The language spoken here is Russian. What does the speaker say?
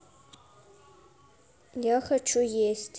я хочу есть